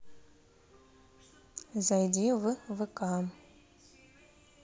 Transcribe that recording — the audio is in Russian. зайди в вк